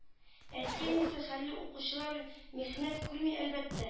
Әтиәнисе хәлле укучылар михнәт күрми әлбәттә